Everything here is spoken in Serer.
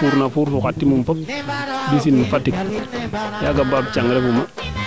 fuurna fuur ruxa ti nin fop mbisin Fatick yaaga baab cang refu ma